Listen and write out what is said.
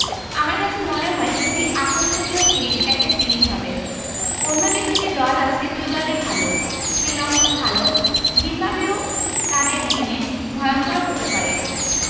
আমার কাছে মনে হয় খুবই আকর্ষণীয় একটা সিরিজ হবে অন্য যে দুটি দল আছে দুই দলই ভালো শ্রীলঙ্কা ভালো জিম্বাবুয়েও তাদের দিনে ভয়ংকর হতে পারে